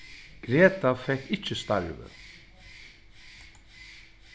greta fekk ikki starvið